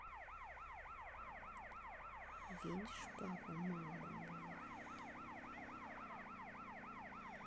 видишь папа мама убивает